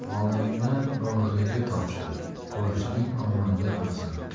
molingni o'g'riga topshir qo'shning omonda bo'lsin